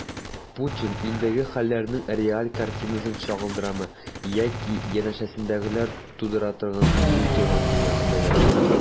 Путин илдәге хәлләрнең реаль картинасын чагылдырамы яки янәшәсендәгеләр тудыра торган иллюзияләр дөньясында яшиме?